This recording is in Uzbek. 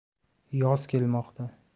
yoz kelmoqda